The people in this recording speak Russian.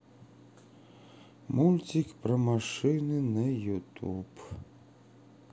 мультик про машины на ютуб